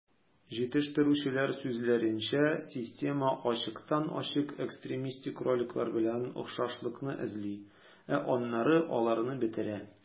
Җитештерүчеләр сүзләренчә, система ачыктан-ачык экстремистик роликлар белән охшашлыкны эзли, ә аннары аларны бетерә.